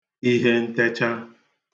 ihentecha